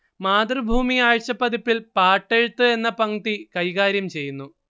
മാതൃഭൂമി ആഴ്ചപ്പതിപ്പിൽ പാട്ടെഴുത്ത് എന്ന പംക്തി കൈകാര്യം ചെയ്യുന്നു